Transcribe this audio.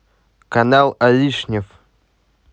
канал аришнев